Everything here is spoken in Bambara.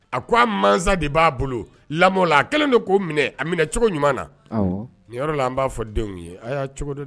A ko a mansa de b'a bolo lamɔ la a kɛlen de k'o minɛ a minɛ cogo ɲuman na, awɔ, nin yɔrɔ la an b'a fɔ denw ye a' y'a cogo dɔn